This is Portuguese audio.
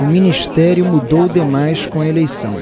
o ministério mudou demais com a eleição